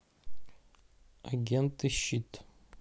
агенты щит